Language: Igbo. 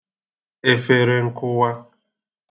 efere nkụwa